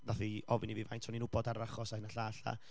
wnaeth hi ofyn i fi faint o'n i'n wybod ar yr achos a hyn a'r llall a...